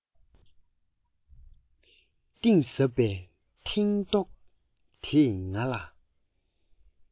གཏིང ཟབ པའི མཐིང མདོག དེས ང ལ